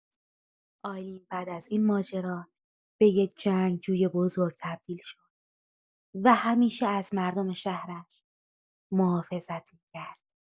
آیلین بعد از این ماجرا، به یه جنگجوی بزرگ تبدیل شد و همیشه از مردم شهرش محافظت می‌کرد.